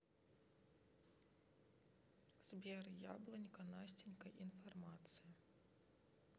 сбер яблонька настенька информация